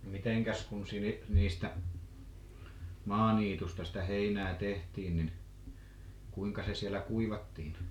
mitenkäs kun - niistä maaniitystä sitä heinää tehtiin niin kuinka se siellä kuivattiin